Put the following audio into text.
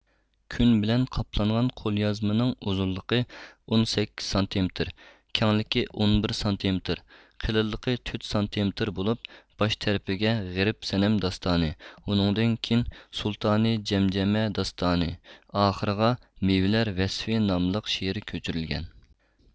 كۈن بىلەن قاپلانغان قوليازمىنىڭ ئۇزۇنلۇقى ئون سەككىز سانتىمېتىر كەڭلىكى ئون بىر سانتىمېتىر قېلىنلىقى تۆت سانتىمېتىر بولۇپ باش تەرىپىگە غېرىب سەنەم داستانى ئۇنىڭدىن كېيىن سۇلتانى جەمجەمە داستانى ئاخىرىغا مېۋىلەر ۋەسفى ناملىق شېئىر كۆچۈرۈلگەن